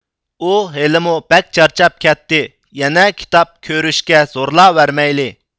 ئۇ ھېلىمۇ بەك چارچاپ كەتتى يەنە كىتاب كۆرۈشكە زورلاۋەرمەيلى